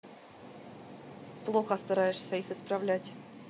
плохо стараешься их исправлять